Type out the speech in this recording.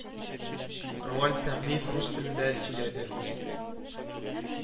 Роальд Сәгъдиев рус телендә сөйләде